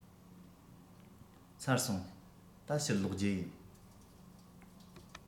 ཚར སོང ད ཕྱིར ལོག རྒྱུ ཡིན